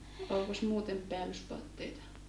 olikos muuten päällysvaatteita